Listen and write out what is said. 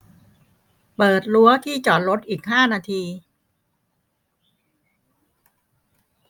เปิดรั้วที่จอดรถอีกห้านาที